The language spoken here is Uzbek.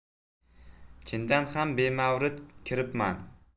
chindan ham bemavrid kiribman